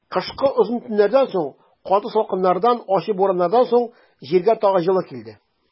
Кышкы озын төннәрдән соң, каты салкыннардан, ачы бураннардан соң җиргә тагын җылы килде.